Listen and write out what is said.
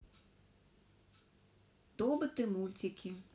тоботы мультики